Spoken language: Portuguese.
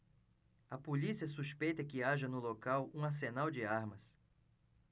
a polícia suspeita que haja no local um arsenal de armas